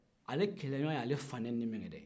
ale kɛlɛɲɔgɔn ye ale fa nɛni min kɛ dɛ